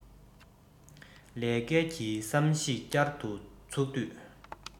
ལས སྐལ གྱི བསམ གཞིགས བསྐྱར དུ བཙུགས དུས